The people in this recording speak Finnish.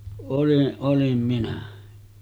olin olin minä